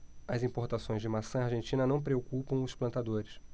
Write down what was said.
as importações de maçã argentina não preocupam os plantadores